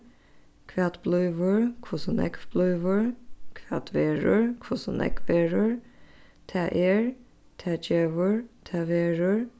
hvat blívur hvussu nógv blívur hvat verður hvussu nógv verður tað er tað gevur tað verður